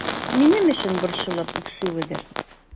Минем өчен борчылып үксүедер...